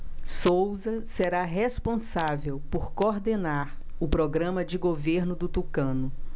souza será responsável por coordenar o programa de governo do tucano